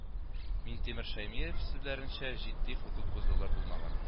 Минтимер Шәймиев сүзләренчә, җитди хокук бозулар булмаган